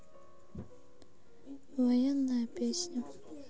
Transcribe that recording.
военная песня